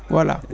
voilà